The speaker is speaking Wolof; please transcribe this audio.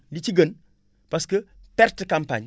li ci gën parce que perte campagne